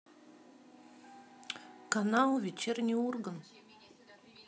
канал вечерний ургант